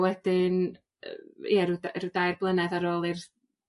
wedyn yy ie rw rw dair blynedd ar ôl i'r